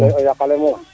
a yaqa le moom